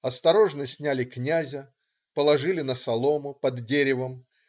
Осторожно сняли князя, положили на солому под деревом.